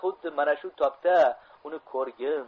xuddi mana shu tobda uni ko'rgim